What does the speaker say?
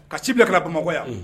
Ka ci bila kana bamakɔ yan